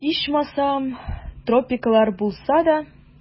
Ичмасам, тропиклар булса да...